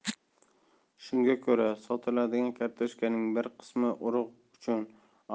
shunga ko'ra sotiladigan kartoshkaning bir qismi urug'